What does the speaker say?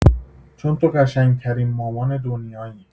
چون تو قشنگ‌ترین مامان دنیایی.